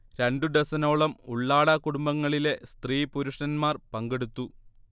രണ്ടു ഡസനോളം ഉള്ളാട കുടുംബങ്ങളിലെ സ്ത്രീ-പുരുഷന്മാർ പങ്കെടുത്തു